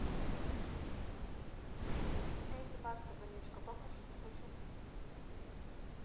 эй ты баста вонючка покушать не хочу